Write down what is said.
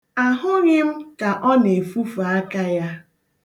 Ahụghị m ka ọ na-efufe aka ya.